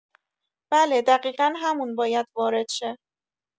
بله دقیقا همون باید وارد شه